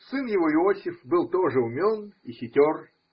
Сын его Иосиф был тоже умен и хитер.